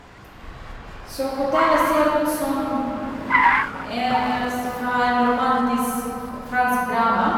Så hotellet ser ut som en es fra en romantisk, fransk drama.